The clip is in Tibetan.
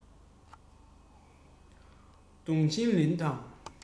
ཏུའུ ཆིང ལིན དང